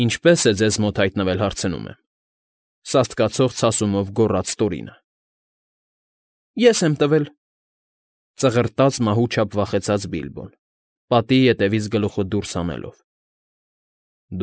Ինչպե՞ս է ձեզ մոտ հայտնվել, հարցնում եմ,֊ սաստկացող ցասումով գոռաց Տորինը։ ֊ Ես եմ տվել,֊ ծղրտաց մահու չափ վախեցած Բիլբոն՝ պատի ետևից գլուխը դուրս հանելով։ ֊